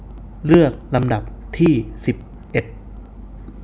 เลือกลำดับที่สิบเอ็ด